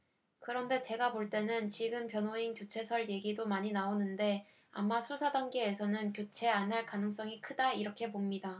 그런데 제가 볼 때는 지금 변호인 교체설 얘기도 많이 나오는데 아마 수사 단계에서는 교체 안 할 가능성이 크다 이렇게 봅니다